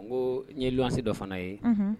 N ko ɲɛlu ansi dɔ fana ye